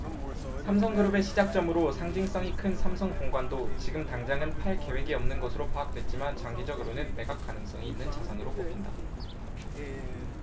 삼성그룹의 시작점으로 상징성이 큰 삼성본관도 지금 당장은 팔 계획이 없는 것으로 파악됐지만 장기적으로는 매각 가능성이 있는 자산으로 꼽힌다